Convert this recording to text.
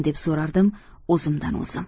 deb so'rardim o'zimdan o'zim